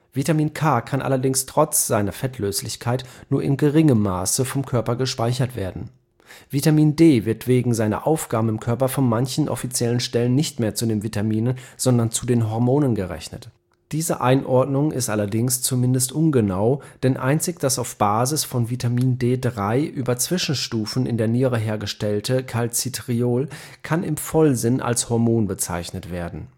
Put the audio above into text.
Vitamin K kann allerdings trotz seiner Fettlöslichkeit nur in geringem Maße vom Körper gespeichert werden. Vitamin D wird wegen seiner Aufgaben im Körper von manchen offiziellen Stellen nicht mehr zu den Vitaminen, sondern zu den Hormonen gerechnet. Diese Einordnung ist allerdings zumindest ungenau, denn einzig das auf Basis von Vitamin D3 über Zwischenstufen in der Niere hergestellte Calcitriol kann im Vollsinn als Hormon bezeichnet werden